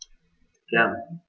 Gern.